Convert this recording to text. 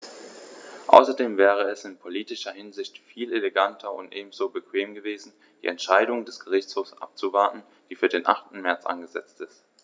Außerdem wäre es in politischer Hinsicht viel eleganter und ebenso bequem gewesen, die Entscheidung des Gerichtshofs abzuwarten, die für den 8. März angesetzt ist.